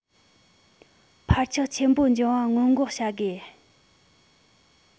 འཕར ཆག ཆེན པོ འབྱུང བ སྔོན འགོག བྱ དགོས